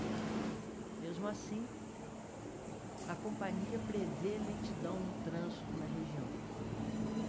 mesmo assim a companhia prevê lentidão no trânsito na região